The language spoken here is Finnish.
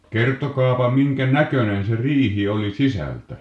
kertokaapa minkä näköinen se riihi sisältä